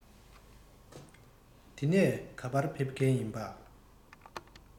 དེ ནས ག པར ཕེབས མཁན ཡིན པྰ